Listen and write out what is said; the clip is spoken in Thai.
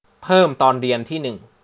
เพิ่มตอนเรียนที่หนึ่ง